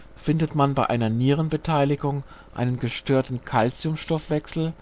findet man bei einer Nierenbeteiligung einen gestörten Kalziumstoffwechsel